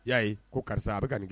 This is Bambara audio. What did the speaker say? Y'a ko karisa a bɛ ka nin kɛ